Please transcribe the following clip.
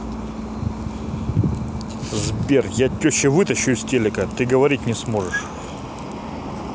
сбер я теще вытащу из телека ты говорить не сможешь